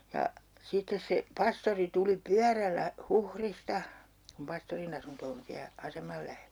ja sitten se pastori tuli pyörällä Huhdista kun pastorin asunto on siellä aseman lähellä